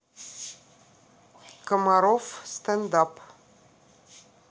комаров стендап